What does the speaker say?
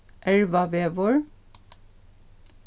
ervavegur